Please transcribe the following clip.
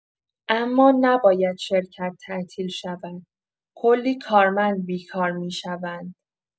اما نباید شرکت تعطیل شود، کلی کارمند بیکار می‌شوند!